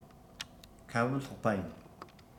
ཁ བུབ སློག པ ཡིན